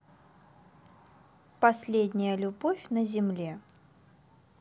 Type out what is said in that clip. последняя любовь на земле